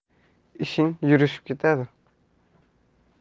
ishing yurishib ketadi